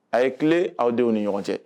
A ye kile aw denw ni ɲɔgɔn cɛ.